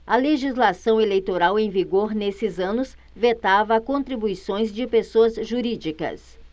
a legislação eleitoral em vigor nesses anos vetava contribuições de pessoas jurídicas